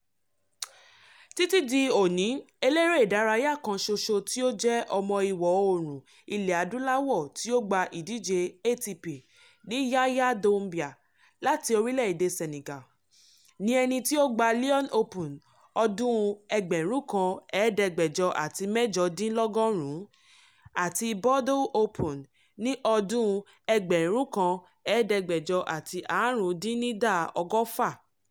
Títí di òní, eléré ìdárayá kan soso tí ó jẹ́ ọmọ Ìwọ̀ Oòrùn Ilẹ̀ Adúláwò tí ó gba ìdíje ATP ni Yahya Doumbia láti orílẹ̀ èdè Senegal, ní ẹni tí ó gba Lyon Open ọdún 1988 àti Bordeaux Open ti ọdún 1995.